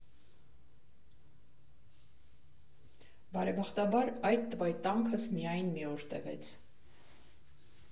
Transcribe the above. Բարեբախտաբար, այդ տվայտանքս միայն մի օր տևեց։